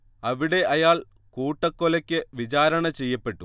അവിടെ അയാൾ കൂട്ടക്കൊലയ്ക്ക് വിചാരണ ചെയ്യപ്പെട്ടു